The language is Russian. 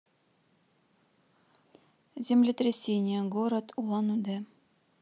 землетрясение город улан удэ